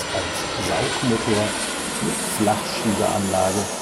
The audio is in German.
als Saugmotor mit Flachschieberanlage